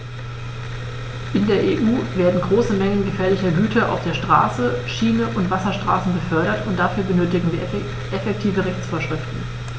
In der EU werden große Mengen gefährlicher Güter auf der Straße, Schiene und Wasserstraße befördert, und dafür benötigen wir effektive Rechtsvorschriften.